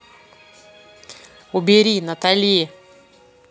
убери натали